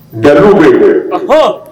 Daku bɛ ahɔ